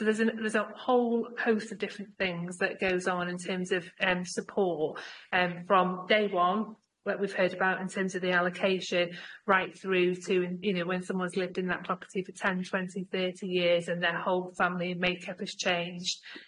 So there's an there's a whole host of different things that goes on in terms of em support, em from day one, what we've heard about in terms of the allocation, right through to you know when someone's lived in that property for ten, twenty, thirty years and their whole family make-up has changed.